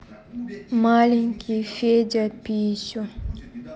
маленький федя писю